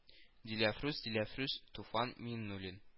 Диләфрүз Диләфрүз Туфан Миңнуллин